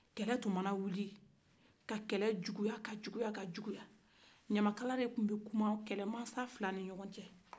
kɛlɛ tun mana wuli ka kɛlɛ juguya-ka juguya-ka juguya ɲamakala de kuma kɛlɛmasa fila ni ɲɔgɔn cɛ